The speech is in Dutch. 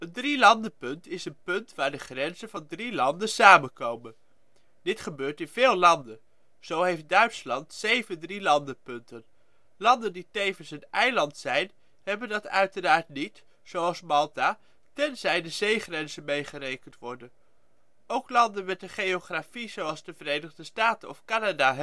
drielandenpunt is een punt waar de grenzen van drie landen samenkomen. Dit gebeurt in veel landen; zo heeft Duitsland 7 drielandenpunten. Landen die tevens een eiland zijn, hebben dat uiteraard niet (zoals Malta), tenzij de zeegrenzen meegerekend worden. Ook landen met een geografie zoals de Verenigde Staten of Canada